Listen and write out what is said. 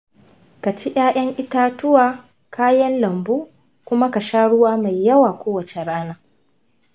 ka ci ’ya’yan itatuwa, kayan lambu, kuma ka sha ruwa mai yawa kowace rana.